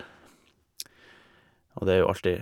Og det er jo alltid...